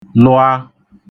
lụà ,lụò